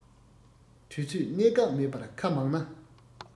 དུས ཚོད གནས སྐབས མེད པར ཁ མང ན